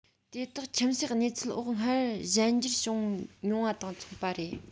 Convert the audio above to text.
དེ དག ཁྱིམ གསོས གནས ཚུལ འོག སྔར གཞན འགྱུར བྱུང མྱོང བ དང མཚུངས པ རེད